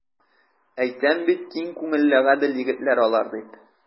Әйтәм бит, киң күңелле, гадел егетләр алар, дип.